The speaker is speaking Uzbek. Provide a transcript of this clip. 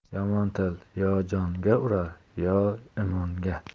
yomon til yo jonga urar yo imonga